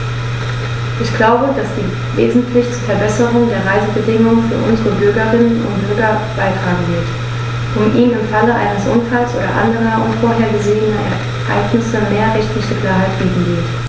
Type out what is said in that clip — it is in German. Ich glaube, dass sie wesentlich zur Verbesserung der Reisebedingungen für unsere Bürgerinnen und Bürger beitragen wird, und ihnen im Falle eines Unfalls oder anderer unvorhergesehener Ereignisse mehr rechtliche Klarheit bieten wird.